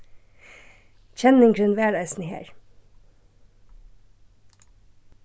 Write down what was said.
kenningurin var eisini har